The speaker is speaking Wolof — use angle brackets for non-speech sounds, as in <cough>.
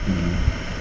<hesitation> <hesitation> <noise>